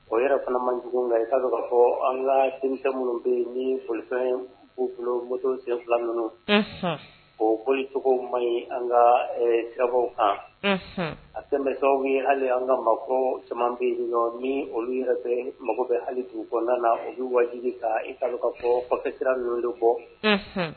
O yɛrɛ fana man jugu na i t'a k kaa fɔ an ka denmisɛnw minnu bɛ ni folifɛn u bolomuso sen fila ninnu o folicogo man ɲi an ka gaw kan a sɛsaw ye hali an ka mago caman bɛ yen nɔ min olu yɛrɛ bɛ mago bɛ hali dugu kɔnɔna na u bɛ waatijibi kan i'a k kaa fɔ fɔfɛsira ninnu de kɔ